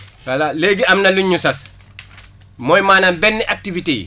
voilà léegi am na luñ ñu sas mooy maanaam benn activités yi